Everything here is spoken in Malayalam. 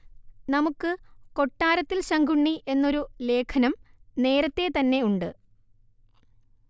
നമുക്ക് കൊട്ടാരത്തിൽ ശങ്കുണ്ണി എന്നൊരു ലേഖനം നേരത്തേ തന്നെ ഉണ്ട്